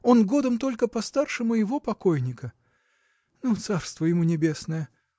он годом только постарше моего покойника. Ну, царство ему небесное!